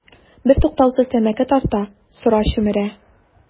Бертуктаусыз тәмәке тарта, сыра чөмерә.